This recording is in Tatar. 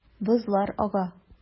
Бозлар ага.